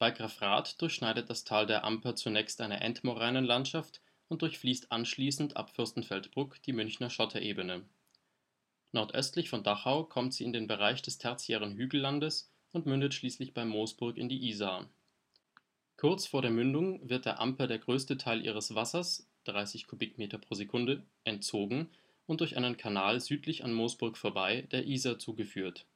Grafrath durchschneidet das Tal der Amper zunächst eine Endmoränenlandschaft und durchfließt anschließend ab Fürstenfeldbruck die Münchner Schotterebene. Nordöstlich von Dachau kommt sie in den Bereich des tertiären Hügellandes und mündet schließlich bei Moosburg in die Isar. Kurz vor der Mündung wird der Amper der größte Teil ihres Wassers (30 m³/s) entzogen und durch einen Kanal südlich an Moosburg vorbei der Isar zugeführt